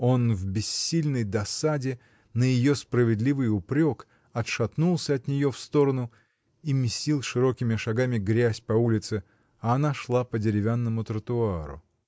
Он, в бессильной досаде на ее справедливый упрек, отшатнулся от нее в сторону и месил широкими шагами грязь по улице, а она шла по деревянному тротуару.